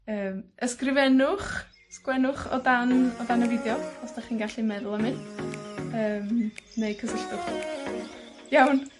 Yym, ysgrifennwch, sgwennwch o dan, o dan y fideo, os 'dach chi'n gallu meddwl am un, yym, neu cysylltwch. Iawn,